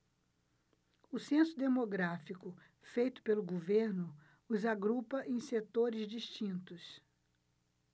o censo demográfico feito pelo governo os agrupa em setores distintos